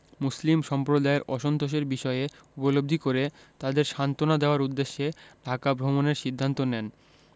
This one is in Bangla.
মুসলিম সম্প্রদায়ের অসন্তোষের বিষয় উপলব্ধি করে তাদের সান্ত্বনা দেওয়ার উদ্দেশ্যে ঢাকা ভ্রমণের সিদ্ধান্ত নেন